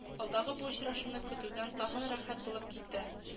Алдагы бу очрашуны көтүдән тагын рәхәт булып китте